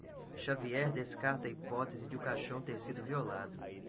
xavier descarta a hipótese de o caixão ter sido violado